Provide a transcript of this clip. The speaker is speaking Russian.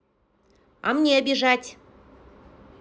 а мне обижать